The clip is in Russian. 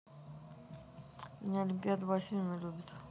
меня олимпиада васильевна любит